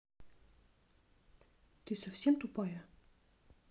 ты совсем тупая